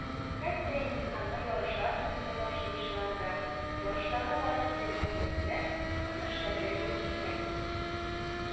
Хәтта имтиханны ярышлар көнендә тапшыручылар да, ярышларга барып килергә теләсәләр, моны эшләргә өлгерәчәкләр.